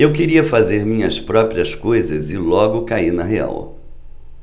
eu queria fazer minhas próprias coisas e logo caí na real